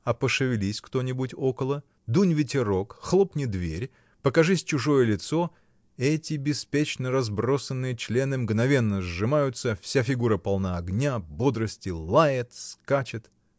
А пошевелись кто-нибудь около, дунь ветерок, хлопни дверь, покажись чужое лицо — эти беспечно разбросанные члены мгновенно сжимаются, вся фигура полна огня, бодрости, лает, скачет.